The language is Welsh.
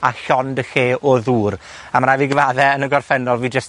â llond y lle o ddŵr. A ma' rai' fi gyfadde yn y gorffennol fi jyst